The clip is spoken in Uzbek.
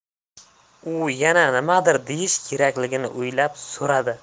u yana nimadir deyish kerakligini o'ylab so'radi